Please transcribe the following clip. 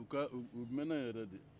u ka u mɛnna yen yɛrɛ de